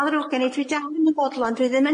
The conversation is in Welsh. Ma'n ddrwg gen i dwi dal ddim yn bodlon dwi ddim